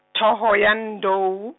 Thohoyandou.